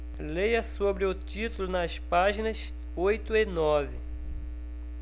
leia sobre o título nas páginas oito e nove